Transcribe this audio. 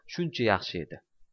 shuncha yaxshi edi